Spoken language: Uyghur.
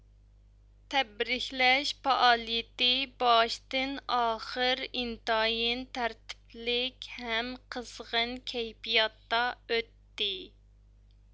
تەبرىكلەش پائالىيىتى باشتىن ئاخىر ئىنتايىن تەرتىپلىك ھەم قىزغىن كەيپىياتتا ئۆتتى